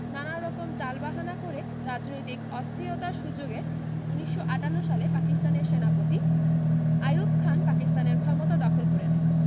নানারকম টালবাহানা করে রাজনৈতিক অস্থিরতার সুযোগে ১৯৫৮ সালে পাকিস্তানের সেনাপতি আইয়ুব খান পাকিস্তানের ক্ষমতা দখল করে নেন